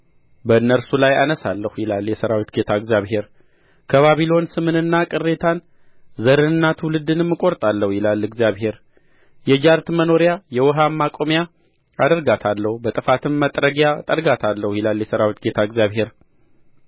በእነርሱ ላይ እነሣለሁ ይላል የሠራዊት ጌታ እግዚአብሔር ከባቢሎን ስምንና ቅሬታን ዘርንና ትውልድንም እቈርጣለሁ ይላል እግዚአብሔር የጃርት መኖርያ የውኃም መቋሚያ አደርጋታለሁ በጥፋትም መጥረጊያ እጠርጋታለሁ ይላል